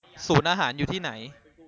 ศูนย์อาหารอยู่ที่ไหน